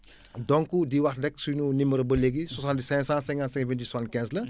donc di wax rek suñu numéro ba léegi 77 555 28 75 la